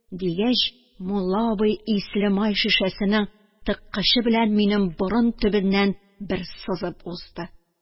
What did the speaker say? Дигәч, мулла абый ислемай шешәсенең тыккычы белән минем борын төбеннән бер сызып узды.